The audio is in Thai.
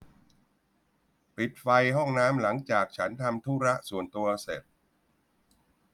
ปิดไฟห้องน้ำหลังจากฉันทำธุระส่วนตัวเสร็จ